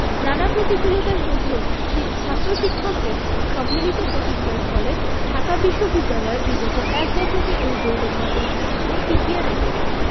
নানা প্রতিকূলতার মধ্যেও ঢাসি ছাত্র শিক্ষকদের সম্মিলিত প্রচেষ্টার ফলে ঢাকা বিশ্ববিদ্যালয় বিগত এক দশকে এর গৌরবময় ঐতিহ্যকে টিকিয়ে রেখেছে